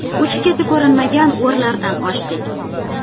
uchi keti ko'rinmagan o'rlardan oshdik